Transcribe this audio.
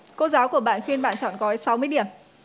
cô giáo của bạn khuyên bạn chọn gói sáu mươi điểm